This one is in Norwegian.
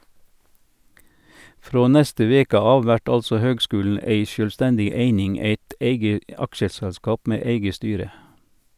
Frå neste veke av vert altså høgskulen ei sjølvstendig eining, eit eige aksjeselskap med eige styre.